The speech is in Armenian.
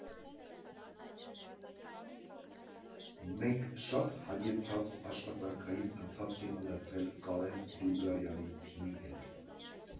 Մենք շատ հագեցած աշխատանքային ընթացք ենք ունեցել Կարեն Դուրգարյանի թիմի հետ։